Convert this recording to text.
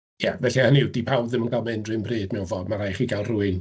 Ia, felly, hynny yw, 'di pawb ddim yn cael mynd yr un pryd mewn ffordd. Ma' rhaid i chi gael rhywun.